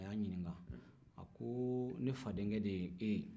a y a ɲininkan a ko ne fadenkɛ de ye e ye